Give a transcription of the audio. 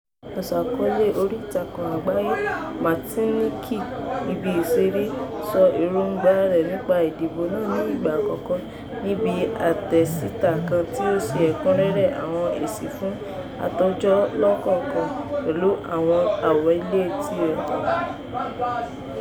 Aṣàkọ́ọ́lẹ̀ orí ìtàkùn àgbáyé Martinique ibi ìṣeré [moi] sọ èróńgbà rẹ̀ nípa ìdìbò náà ní ìgbà àkọ́kọ́, níbi àtẹ̀síta kan tí ó ṣe ẹ̀kúnrẹ́rẹ́ àwọn èsì fún àtòjọ kọ̀ọ̀kan, pẹ̀lú àwọn àwílé tirẹ̀.